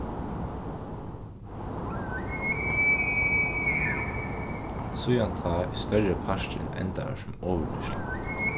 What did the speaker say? síðan tá er størri parturin endaður sum ovurnýtsla